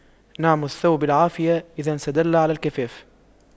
نعم الثوب العافية إذا انسدل على الكفاف